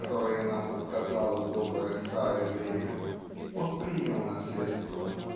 которые нам отказало доброе старое время. Он принял наследство.